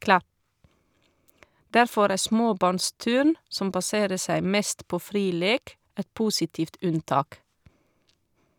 Derfor er småbarnsturn - som baserer seg mest på fri lek - et positivt unntak.